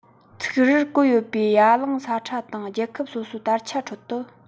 ཚོགས རར བཀལ ཡོད པའི ཡ གླིང ས ཁྲ དང རྒྱལ ཁབ སོ སོའི དར ཆ ཁྲོད དུ